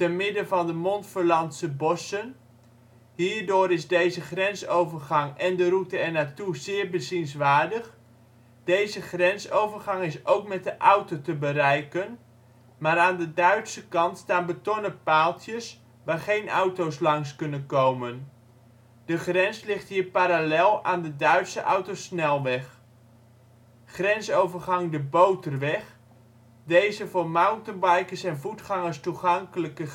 midden van de Montferlandse bossen. Hierdoor is deze grensovergang en de route er naar toe zeer bezienswaardig. Deze grensovergang is ook met de auto te bereiken, maar aan de Duitse kant staan betonnen paaltjes waar geen auto 's langs kunnen komen. De grens ligt hier parallel aan de Duitse autosnelweg; Grensovergang de Boterweg. Deze voor mountainbikers en voetgangers toegankelijke